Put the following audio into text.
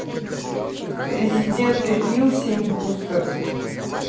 resident evil семь бустер